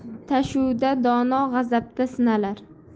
tashvishda dono g'azabda sinalar